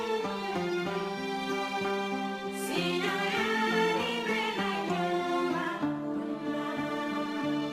San diɲɛ diɲɛ laban